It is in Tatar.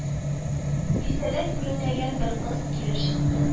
Бистәдә күренмәгән бер кыз килеп чыкты